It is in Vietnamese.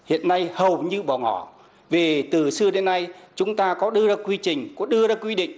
hiện nay hầu như bỏ ngỏ vì từ xưa đến nay chúng ta có đưa ra quy trình có đưa ra quy định